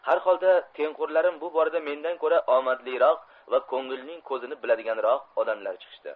har holda tengqurlarim bu borada mendan ko'ra omadliroq va ko'ngilning ko'zini biladiganroq odamlar chiqishdi